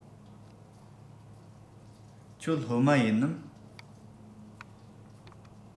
ཁྱོད སློབ མ ཡིན ནམ